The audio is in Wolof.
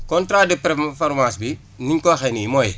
contrat de performance bi ni nga ko waxee nii mooy